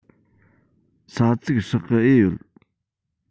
ས ཚིག སྲེག གི ཨེ ཡོད